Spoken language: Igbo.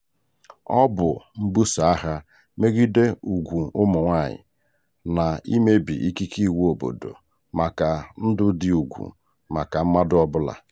Ọ bụ mbuso agha megide ùgwù ụmụ nwaanyị na imebi ikike iwu obodo maka ndụ dị ùgwù maka mmadụ ọ bụla.